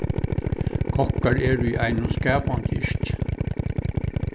kokkar eru í einum skapandi yrki